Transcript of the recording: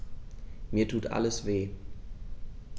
Mir tut alles weh.